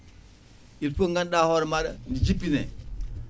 il faut ganduɗa hoore maɗa ndi jippine